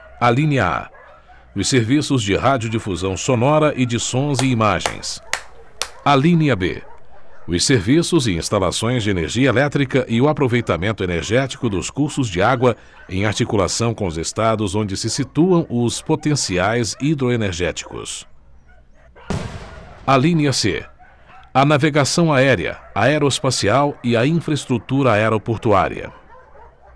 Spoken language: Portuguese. alínea a os serviços de radiodifusão sonora e de sons e imagens alínea b os serviços e instalações de energia elétrica e o aproveitamento energético dos cursos de água em articulação com os estados onde se situam os potenciais hidroenergéticos alínea c a navegação aérea aeroespacial e a infra estrutura aeroportuária